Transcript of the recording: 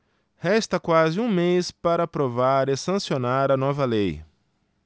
resta quase um mês para aprovar e sancionar a nova lei